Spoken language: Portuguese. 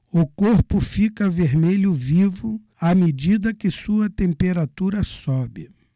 o corpo fica vermelho vivo à medida que sua temperatura sobe